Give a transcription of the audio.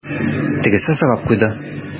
Тегесе сорап куйды: